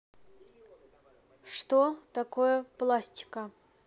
что такое пластика